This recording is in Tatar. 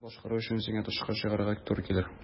Моны башкару өчен сиңа тышка чыгарга туры килер.